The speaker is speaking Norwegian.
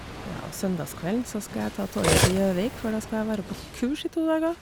Ja, søndagskvelden så skal jeg ta toget til Gjøvik, for da skal jeg være på kurs i to dager.